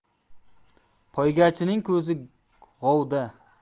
poygachining ko'zi g'ovda